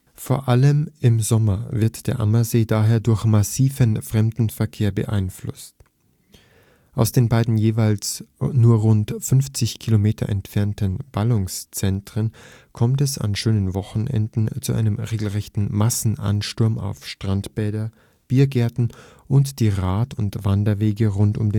Vor allem im Sommer wird der Ammersee daher durch massiven Fremdenverkehr beeinflusst. Aus den beiden jeweils nur rund 50 km entfernten Ballungszentren kommt es an schönen Wochenenden zu einem regelrechten Massenansturm auf Strandbäder, Biergärten und die Rad - und Wanderwege rund um